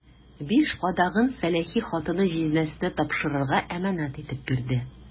Биш кадагын сәләхи хатыны җизнәсенә тапшырырга әманәт итеп бирде.